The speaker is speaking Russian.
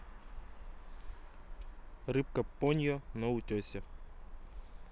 рыбка поньо на утесе